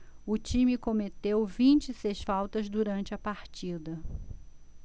o time cometeu vinte e seis faltas durante a partida